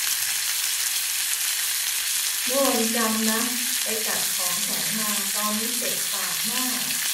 เมื่อวันจันทร์นะไปกัดของแข็งมาตอนนี้เจ็บปากมาก